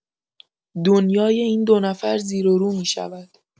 دنیای این دو نفر زیر و رو می‌شود.